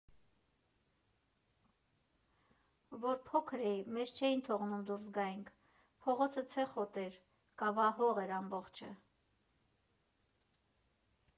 Որ փոքր էի, մեզ չէին թողում դուրս գայինք, փողոցը ցեխոտ էր, կավահող էր ամբողջը։